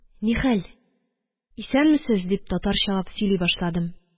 Нихәл, исәнмесез? – дип, татарчалап сөйли башладым